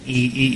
i i